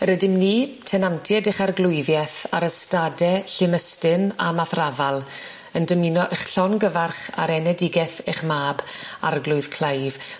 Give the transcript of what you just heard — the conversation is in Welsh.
Yr ydym ni tenantiaid eich arglwyddieth ar ystade Llumystyn a Mathrafal yn dymuno 'ych llongyfarch a'r enedigeth 'ych mab arglwydd Clive.